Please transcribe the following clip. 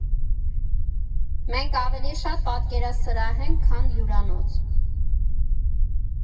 Մենք ավելի շատ պատկերասրահ ենք, քան հյուրանոց։